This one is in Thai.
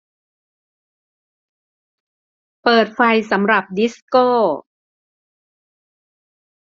เปิดไฟสำหรับดิสโก้